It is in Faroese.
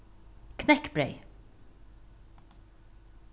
knekkbreyð